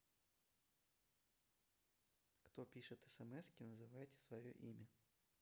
кто пишет смски называйте свое имя